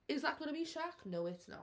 Is that going to be Shaq? No, it's not.